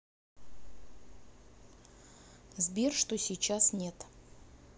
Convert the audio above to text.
сбер что сейчас нет